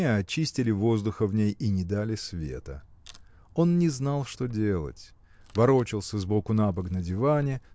не очистили воздуха в ней и не дали света. Он не знал, что делать ворочался с боку на бок на диване